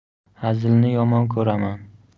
hazilni yomon ko'raman